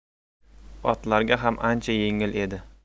otlarga ham ancha yengil edi